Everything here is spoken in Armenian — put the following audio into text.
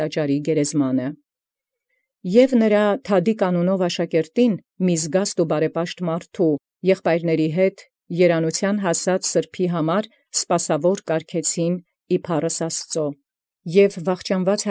Եւ զնորին աշակերտ Թադիկ անուն, զայր զգաստ և բարեպաշտաւն, հանդերձ եղբարբք, երանութեանն հասելոյ սպասաւոր սրբոյն ի փառս Աստուծոյ կարգէին։